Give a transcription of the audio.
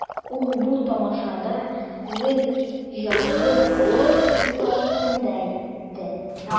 Ул бу тамашада гел җанлы тавыш буласын да әйтте.